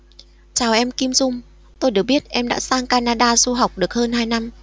chào em kim dung tôi được biết em đã sang canada du học được hơn hai năm